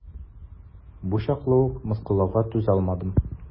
Бу чаклы ук мыскыллауга түзалмадым.